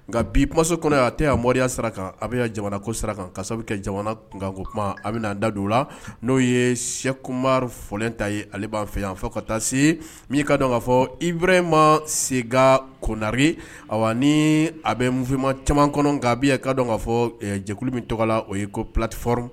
Nka bi masa kɔnɔ a tɛ' mɔriya sara kan a bɛ jamana ko sira kasa bɛ kɛ jamana kankan kuma a bɛan da don la n'o ye sɛkumama fɔlen ta ye ale b'an fɛ yan fɛ ka taa se ni ka dɔn k'a fɔ i wɛrɛ in ma se konari a ni a bɛ mufinma caman kɔnɔ ka ka dɔn k kaa fɔ jɛkulu min tɔgɔ la o ye ko ptiforor